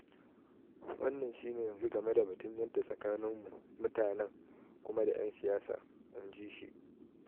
Wannan shi ne yanzu game da batun yadda tsakaninmu - mutanen - kuma da 'yan siyasa ', inji shi.